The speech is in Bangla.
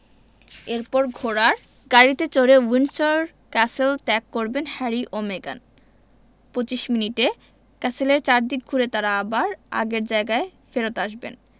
এরপর ঘোড়ার গাড়িতে চড়ে উইন্ডসর ক্যাসেল ত্যাগ করবেন হ্যারি ও মেগান ২৫ মিনিটে ক্যাসেলের চারদিক ঘুরে তাঁরা আবার আগের জায়গায় ফেরত আসবেন